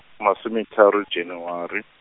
masome tharo January.